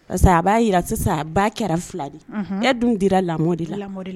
Parce a b'a jira sisan kɛra fila de dun dira de la